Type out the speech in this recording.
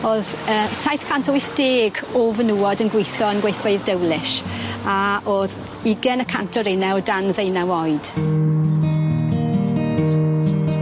O'dd yy saith cant wyth deg o fenywod yn gweitho yn gweithfeydd Dowlish a o'dd ugen y cant o reine o dan ddeunaw oed.